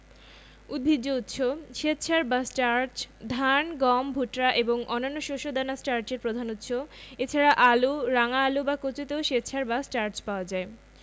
উদ্ভিজ্জ উৎস শ্বেতসার বা স্টার্চ ধান গম ভুট্টা এবং অন্যান্য শস্য দানা স্টার্চের প্রধান উৎস এছাড়া আলু রাঙা আলু বা কচুতেও শ্বেতসার বা স্টার্চ পাওয়া যায়